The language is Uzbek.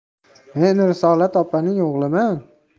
men risolat opaning o'g'liman